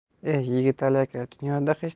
e yigitali aka dunyoda hech